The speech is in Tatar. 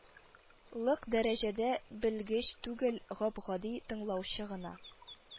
Лык дәрәҗәдә белгеч түгел, гап-гади тыңлаучы гына